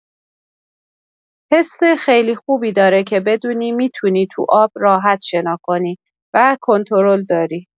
حس خیلی خوبی داره که بدونی می‌تونی تو آب راحت شنا کنی و کنترل داری.